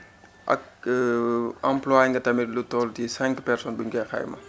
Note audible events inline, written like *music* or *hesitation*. ak *hesitation* employé nga tamit lu toll ci 5 personnes buñ koy xayma